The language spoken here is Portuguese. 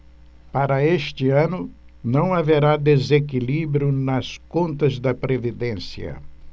para este ano não haverá desequilíbrio nas contas da previdência